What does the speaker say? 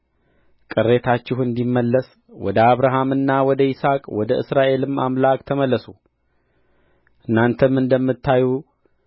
ቅሬታችሁ እንዲመለስ ወደ አብርሃምና ወደ ይስሐቅ ወደ እስራኤልም አምላክ ተመለሱ እናንተም እንደምታዩ